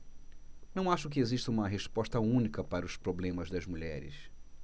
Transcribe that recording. não acho que exista uma resposta única para os problemas das mulheres